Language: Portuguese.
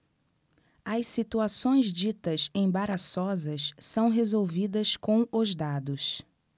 as situações ditas embaraçosas são resolvidas com os dados